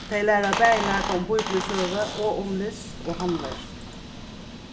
tey læra bæði nakað um bíbliusøgu og um list og handverk